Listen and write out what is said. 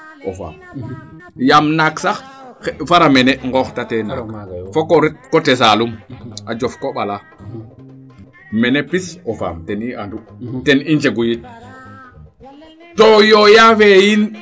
ofaam yaam naak sax fara mene ŋooxta teloyo foko ret coté Saloum a jof koɓalaa mene pis o faam ten i andu ten i njegu yit to yooya fee yiin